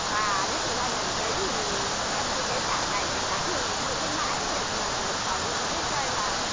mà lúc mà ra đồng cấy thì chị em cấy cả ngày trời nắng như ngày mưa cấy mãi mới được xào ruộng chứ cho nên là